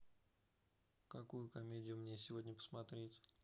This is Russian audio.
какую комедию мне сегодня посмотреть